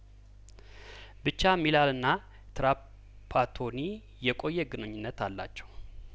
ብቻ ሚላንና ትራፓቶኒ የቆየ ግንኙነት አላቸው